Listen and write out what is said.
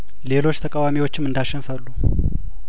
ሌሎች ተቃዋሚዎችም እንዳሸን ፈሉ